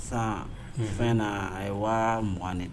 San fɛn na a ye wa 2ugan de